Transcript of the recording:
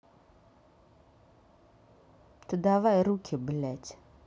ты давай руки блядь